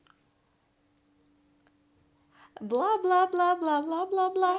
бла бла бла бла бла бла бла